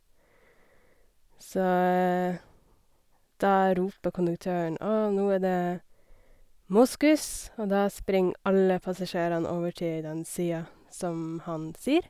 Så da roper konduktøren Å, nå er det moskus, og da springer aller passasjerene over til den sia som han sier.